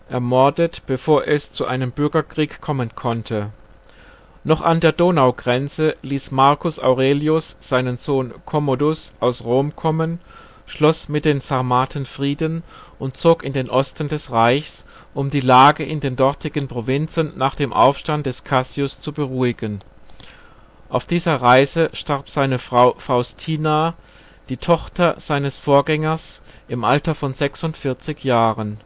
ermordet, bevor es zu einem Bürgerkrieg kommen konnte. Noch an der Donaugrenze ließ Marcus Aurelius seinen Sohn Commodus aus Rom kommen, schloss mit den Sarmaten Frieden und zog in den Osten des Reichs, um die Lage in den dortigen Provinzen nach dem Aufstand des Cassius zu beruhigen. Auf dieser Reise starb seine Frau Faustina, die Tochter seines Vorgängers, im Alter von 46 Jahren